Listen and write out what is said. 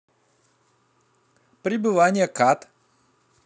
пребывание cut